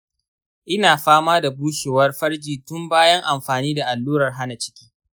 ina fama da bushewar farji tun bayan amfani da allurar hana ciki.